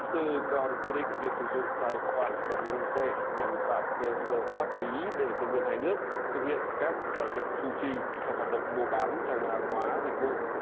từ còn quy định việc sử dụng tài khoản đồng nhân dân tệ nhằm tạo cơ sở pháp lý để thương nhân hai nước thực hiện các giao dịch thu chi trong hoạt động mua bán trao đổi hàng hóa dịch vụ